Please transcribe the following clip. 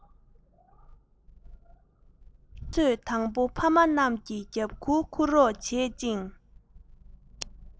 ཁོ ཚོས དང པོ ཕ མ རྣམས ཀྱི རྒྱབ ཁུག འཁུར རོགས བྱེད ཅིང